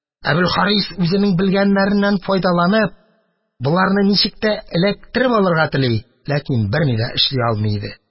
Әбелхарис, үзенең белгәннәреннән файдаланып, боларны ничек тә эләктереп алырга тели, ләкин берни дә эшли алмый иде.